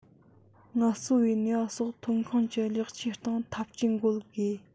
ངལ རྩོལ པའི ནུས པ སོགས ཐོན ཁུངས ཀྱི ལེགས ཆའི སྟེང ཐབས ཇུས འགོད དགོས